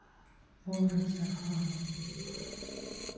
воры в законе